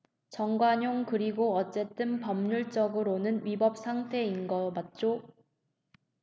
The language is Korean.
정관용 그리고 어쨌든 법률적으로는 위법 상태인 거 맞죠